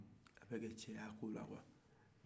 a bɛ ka cɛya kɛ o la quoi